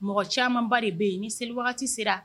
Mɔgɔ camanba de bɛ yen ni seli wagati sera